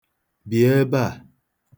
Bịa ebe a.